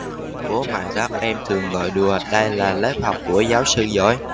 bố mẹ các em thường gọi đùa đây là lớp học của giáo sư giỏi